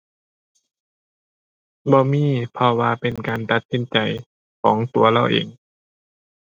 บ่มี เพราะว่าเป็นการตัดสินใจของตัวเราเอง